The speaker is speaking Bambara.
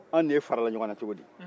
anw n'e farala ɲɔgɔn na cogo di